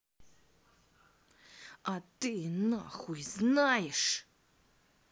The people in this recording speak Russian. а ты нахуй знаешь